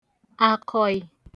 àkọ̀ị̀